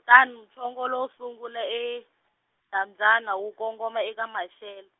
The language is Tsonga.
Kutani muchongolo wu sungula eNdzambyana wu kongoma eka Maxele.